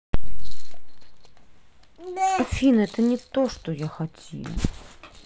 афина это не то что я хотел